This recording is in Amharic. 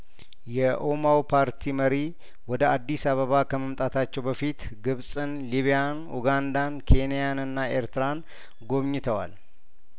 የኡማው ፓርቲ መሪ ወደ አዲስ አበባ ከመምጣታቸው በፊት ግብጽን ሊቢያን ኡጋንዳን ኬንያንና ኤርትራን ጐብኝተዋል